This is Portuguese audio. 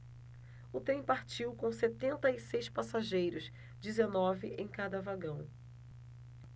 o trem partiu com setenta e seis passageiros dezenove em cada vagão